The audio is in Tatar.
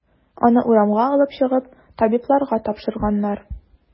Аны урамга алып чыгып, табибларга тапшырганнар.